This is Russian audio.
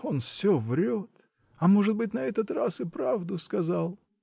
он все врет -- а может быть, на этот раз и правду сказал".